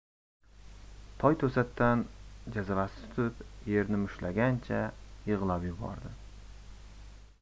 toy to'satdan jazavasi tutib yerni mushtlagancha yig'lab yubor di